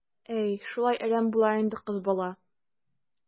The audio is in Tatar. Әй, шулай әрәм була инде кыз бала.